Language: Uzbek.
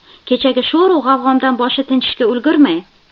kechagi sho'rug'avg'omdan boshi tinchishga ulgurmay